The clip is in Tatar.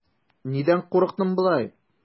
Нидән курыктың болай?